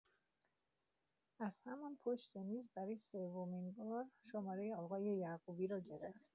از همان پشت میز، برای سومین‌بار شماره آقای یعقوبی را گرفت.